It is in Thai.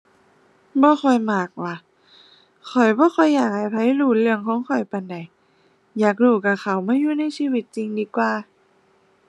บ่ค่อยมักวะ ข้อยบ่ค่อยอยากให้ไผรู้เรื่องของข้อยปานใด อยากรู้ก็เข้ามาอยู่ในชีวิตจริงดีกว่า